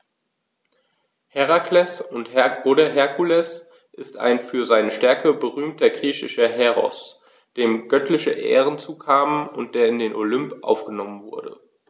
Herakles oder Herkules ist ein für seine Stärke berühmter griechischer Heros, dem göttliche Ehren zukamen und der in den Olymp aufgenommen wurde.